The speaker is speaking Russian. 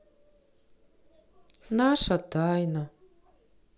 наша тайна